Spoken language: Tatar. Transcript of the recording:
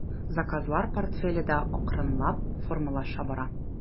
Заказлар портфеле дә акрынлап формалаша бара.